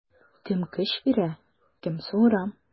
Кем көч бирә, кем суыра.